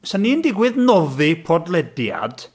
Sa ni'n digwydd noddi podlediad.